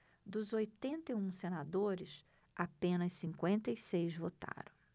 dos oitenta e um senadores apenas cinquenta e seis votaram